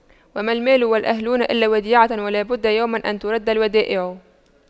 وما المال والأهلون إلا وديعة ولا بد يوما أن تُرَدَّ الودائع